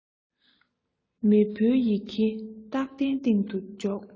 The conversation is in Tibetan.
མི ཕོའི ཡི གེ སྟག གདན སྟེང དུ འཇོག